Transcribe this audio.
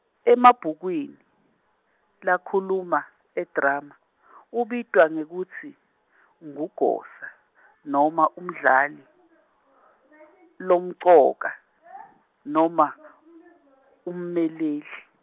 Emabhukwini lakhuluma edrama ubitwa ngekutsi ngugosa noma umdlali lomcoka noma ummeleli.